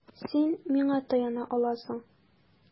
Син миңа таяна аласың.